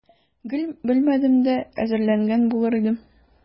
Гел белмәдем дә, әзерләнгән булыр идем.